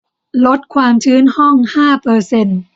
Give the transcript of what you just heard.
ลดความชื้นห้องห้าเปอร์เซ็นต์